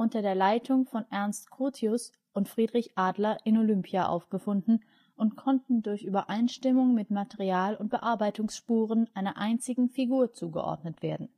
der Leitung von Ernst Curtius und Friedrich Adler, in Olympia aufgefunden und konnten durch Übereinstimmung in Material und Bearbeitungsspuren einer einzigen Figur zugeordnet werden